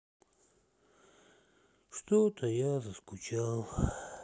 что то я заскучал